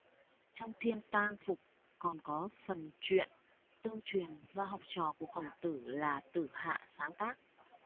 trong thiên tang phục còn có phần truyện tương truyền do học trò của khổng tử là tử hạ sáng tác